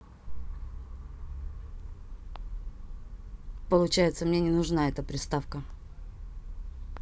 получается мне не нужна эта приставка